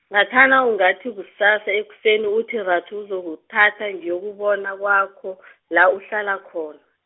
ngathana ungathi kusasa ekuseni uthi rathu uzokuthatha ngiyokubona kwakho , la uhlala khona.